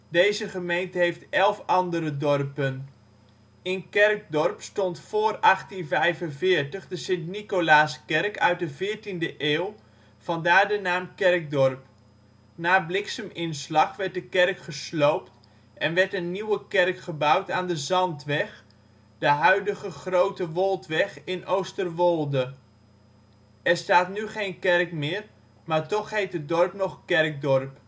Deze gemeente heeft 11 andere dorpen. In Kerkdorp stond voor 1845 de St. Nicolaaskerk uit de 14e eeuw (vandaar de naam Kerkdorp). Na blikseminslag werd de kerk gesloopt en werd een nieuwe kerk gebouwd aan de Zandweg (de huidige Groote Woldweg in Oosterwolde). Er staat nu geen kerk meer, maar toch heet het dorp nog Kerkdorp